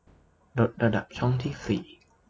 ลดระดับช่องที่สี่